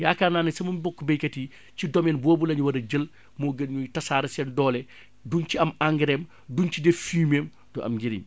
yaakaar naa ne sama mbokku baykat yi si domaine boobu la ñu war a jël moo gën ñuy tasaare seen doole duñ ci am engrais duñ ci def fumier du am njariñ